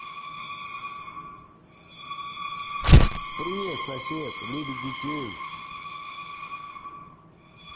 привет сосед любит детей